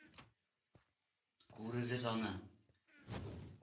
Күрегез аны